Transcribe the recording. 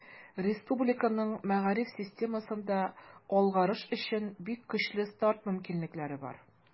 Республиканың мәгариф системасында алгарыш өчен бик көчле старт мөмкинлекләре бар.